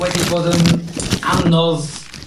wedi bod y'n anodd